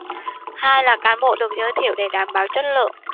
hai là cán bộ được giới thiệu để đảm bảo chất lượng